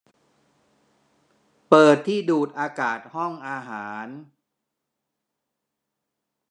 เปิดที่ดูดอากาศห้องอาหาร